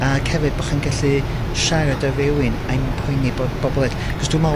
ac hefyd bo' chi'n gallu siarad â rywun, a 'im poeni bod bobl eryll, 'c'os dwi 'me'wl